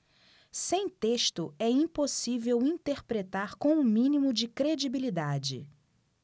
sem texto é impossível interpretar com o mínimo de credibilidade